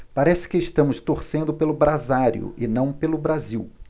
parece que estamos torcendo pelo brasário e não pelo brasil